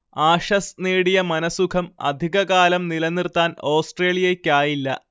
Ashes നേടിയ മനഃസുഖം അധിക കാലം നിലനിർത്താൻ ഓസ്ട്രേലിയക്കായില്ല